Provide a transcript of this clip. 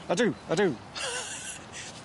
Ydw ydw.